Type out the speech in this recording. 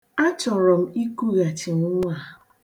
Achọrọ m ikughachi nnwa a.